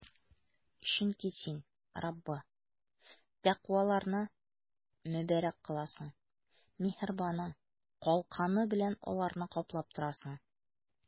Чөнки Син, Раббы, тәкъваларны мөбарәк кыласың, миһербаның калканы белән аларны каплап торасың.